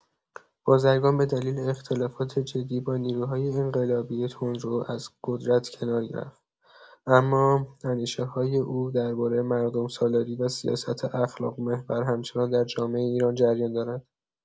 بازرگان به دلیل اختلافات جدی با نیروهای انقلابی تندرو، از قدرت کنار رفت، اما اندیشه‌های او درباره مردم‌سالاری و سیاست اخلاق‌محور همچنان در جامعه ایران جریان دارد.